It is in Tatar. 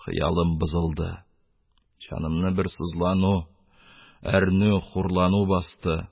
Хыялым бозылды... җанымны бер сызлану, әрнү, хурлану басты...